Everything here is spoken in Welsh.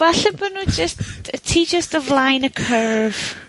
Falle bo' nw jyst, t- ti jyst o flaen y curve...